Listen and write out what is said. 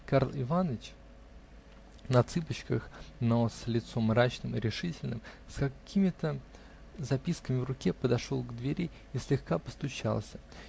Карл Иваныч, на цыпочках, но с лицом мрачным и решительным, с какими-то записками в руке, подошел к двери и слегка постучался.